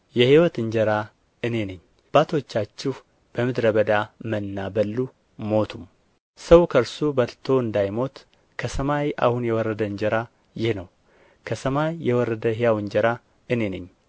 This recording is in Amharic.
የሕይወት እንጀራ እኔ ነኝ አባቶቻችሁ በምድረ በዳ መና በሉ ሞቱም ሰው ከእርሱ በልቶ እንዳይሞት ከሰማይ አሁን የወረደ እንጀራ ይህ ነው ከሰማይ የወረደ ሕያው እንጀራ እኔ ነኝ